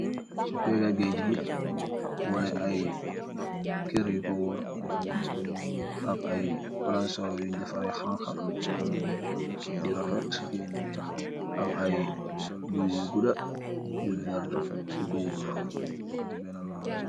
Ci pega gaj gi wone ay kër yu ko wóor ak ay palansor yu njafare xanka yu rofet am ay buy guda vert yu ko wóor